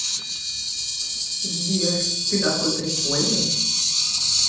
сбер ты такой прикольный